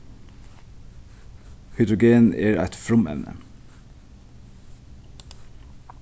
hydrogen er eitt frumevni